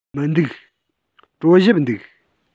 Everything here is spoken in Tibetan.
མི འདུག གྲོ ཞིབ འདུག